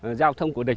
giao thông của địch